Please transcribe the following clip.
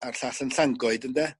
a'r llall yn Llangoed ynde.